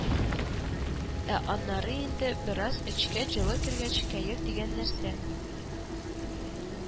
Ә аннары инде, бераз эчкә җылы кергәч, кәеф дигән нәрсә